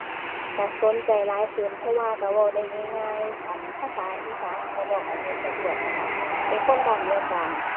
ก็สนใจหลายขึ้น เพราะว่าก็เว้าได้ง่ายง่าย อั่น ภาษาอีสานก็ก็เว้ากันได้สะดวก แล้วก็เป็นคนบ้านเดียวกัน